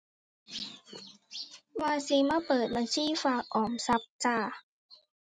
ว่าสิมาเปิดบัญชีฝากออมทรัพย์จ้า